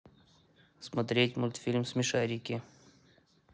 смотреть мультфильм смешарики